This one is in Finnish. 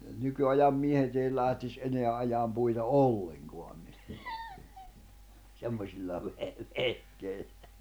nykyajan miehet ei lähtisi enää ajamaan puita ollenkaan semmoisilla - vehkeillä